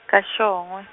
kaShongwe.